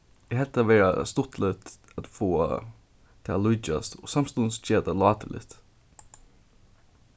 eg helt tað vera stuttligt at fáa tað at líkjast og samstundis gera tað láturligt